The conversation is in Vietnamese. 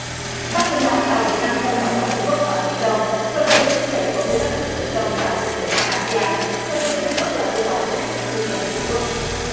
bắc kinh nói tàu việt nam đâm vào tàu trung quốc ở biển đông phơ lớp pin thúc đẩy bộ quy tắc ứng xử biển đông tại thượng đỉnh a si an phơ lớp pin phớt lờ yêu cầu phóng thích ngư dân trung quốc